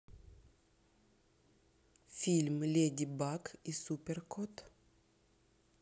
фильм леди баг и супер кот